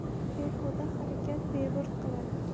behuda harakat beburd qilar